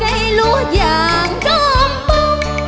cây lúa dàng đơm bông